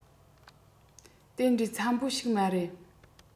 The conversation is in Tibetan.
དེ འདྲའི འཚམས པོ ཞིག མ རེད